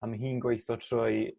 a ma' hi'n gweitho trwy